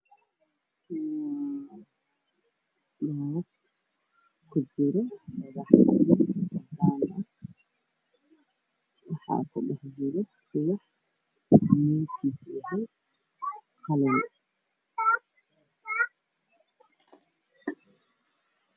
Waa weel caddaan waxaa ku jiro dhagaxaan yaryar oo qalin ah waxaa ka taagan geed qalin ah